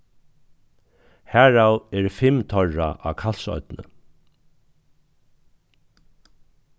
harav eru fimm teirra á kalsoynni